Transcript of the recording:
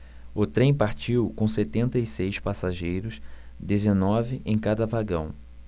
o trem partiu com setenta e seis passageiros dezenove em cada vagão